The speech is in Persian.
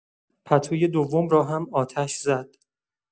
پتوی دوم را هم آتش زد.